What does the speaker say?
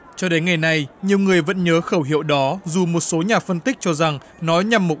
cho đến ngày này nhiều người vẫn nhớ khẩu hiệu đó dù một số nhà phân tích cho rằng nó nhằm mục